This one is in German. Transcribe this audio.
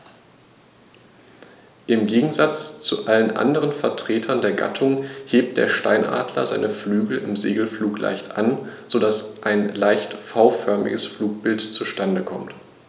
Im Gegensatz zu allen anderen Vertretern der Gattung hebt der Steinadler seine Flügel im Segelflug leicht an, so dass ein leicht V-förmiges Flugbild zustande kommt.